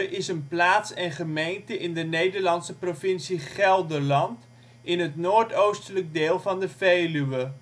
is een plaats en gemeente in de Nederlandse provincie Gelderland, in het noordoostelijke deel van de Veluwe